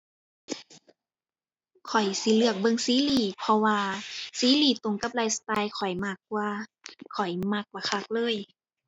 ข้อยสิเลือกเบิ่งซีรีส์ เพราะว่าซีรีส์ตรงกับไลฟ์สไตล์ข้อยมากกว่า ข้อยมักบักคักเลย